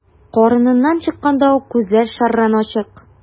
Карыныннан чыкканда ук күзләр шәрран ачык.